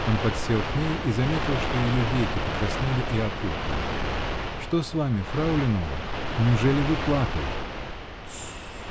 Он подсел к ней и заметил, что ее веки покраснели и опухли -- Что с вами, фрау Леноре? Неужели вы плакали? -- Тсссс.